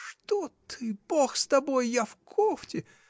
— Что ты, Бог с тобой: я в кофте!